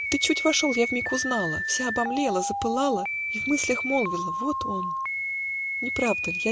Ты чуть вошел, я вмиг узнала, Вся обомлела, запылала И в мыслях молвила: вот он! Не правда ль?